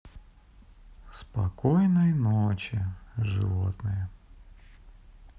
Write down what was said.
спокойной ночи животные